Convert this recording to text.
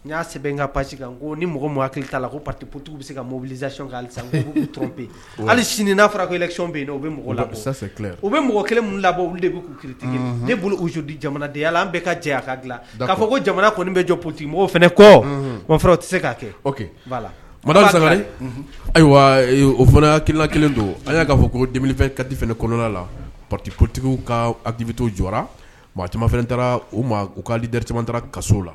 N y'a sɛbɛn n ka pa kan ko ni mɔgɔki k'a la ko p patipotigi bɛ se ka mobilizc alisa tɔn pe hali ali sini n'a farakɔlɛc pe yen u bɛ la u bɛ mɔgɔ kelen minnu labɔ de bɛu kitigi ne bolo'sudi jamana de yala an bɛɛ ka jɛ a ka dila k'a fɔ ko jamana kɔni bɛ jɔ potemɔgɔ fana kɔ o tɛ se k'a kɛ sabaliri ayiwa o fana kila kelen don an y'a'a fɔ ko denmisɛnnin kadi kɔnɔna la p pati ptigiw kakibi jɔ mɔgɔ caman taara u ma u k kaale da caman taara kaso la